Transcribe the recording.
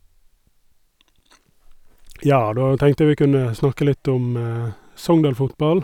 Ja, da tenkte jeg vi kunne snakke litt om Sogndal Fotball.